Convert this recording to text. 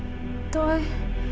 tôi